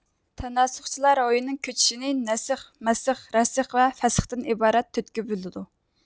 تەناسۇخچىلار روھنىڭ كۆچۈشىنى نەسخ مەسخ رەسخ ۋە فەسختىن ئىبارەت تۆتكە بۆلىدۇ